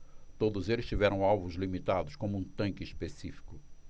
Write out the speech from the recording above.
todos eles tiveram alvos limitados como um tanque específico